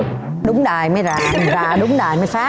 đúng đài mới làm và đúng đài mới phát